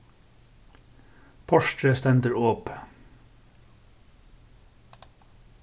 portrið stendur opið